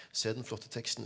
se den flotte teksten!